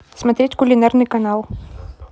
смотреть кулинарный канал